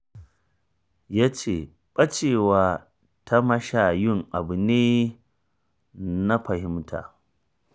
Ya ce ɓacewa ta mashayun abu ne na fahimta.